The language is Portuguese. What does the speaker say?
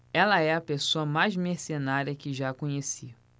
ela é a pessoa mais mercenária que já conheci